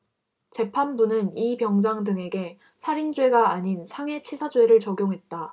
재판부는 이 병장 등에게 살인죄가 아닌 상해치사죄를 적용했다